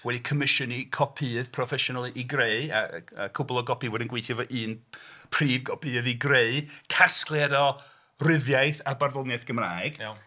Wedi comisiynu copïydd proffesiynol i greu, a- a cwpl o gopïwyr yn gweithio efo un prif copïydd i greu casgliad o ryddiaith a barddoniaeth Gymraeg... Iawn.